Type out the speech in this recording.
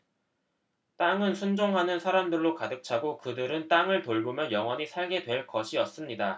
땅은 순종하는 사람들로 가득 차고 그들은 땅을 돌보며 영원히 살게 될 것이었습니다